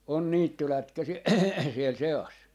on niittylätkäisiä siellä seassa